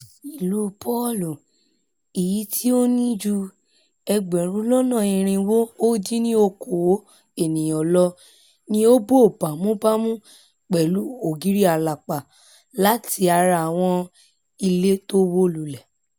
Ìlú Palu, èyití ó ní ju 380,000 ènìyàn lọ, ni ó bò bámúbámú pẹ̀lú ògiri àlàpà láti ara àwọn ilé tówó lulẹ̵̀.